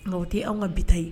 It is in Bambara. Nka o tɛ anw ka bi ta ye